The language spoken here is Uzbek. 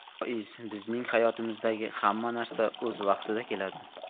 voiz bizning hayotimizdagi hamma narsa o'z vaqtida keladi